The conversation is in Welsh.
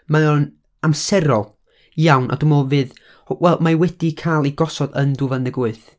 mae o'n amserol iawn, a dwi'n meddwl fydd, wel, mae wedi cael ei gosod yn dwy fil ag un deg wyth.